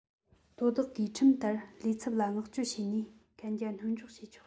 དོ བདག གིས ཁྲིམས ལྟར ལས ཚབ ལ མངགས བཅོལ བྱས ནས གན རྒྱ སྣོལ འཇོག བྱས ཆོག